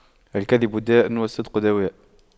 الكذب داء والصدق دواء